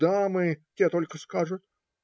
дамы - те только скажут